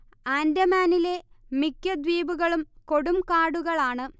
ആൻഡമാനിലെ മിക്ക ദ്വീപുകളും കൊടുംകാടുകളാണ്